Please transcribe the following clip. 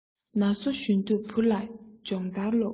ན སོ གཞོན དུས བུ ལ སྦྱོང ཐར སློབས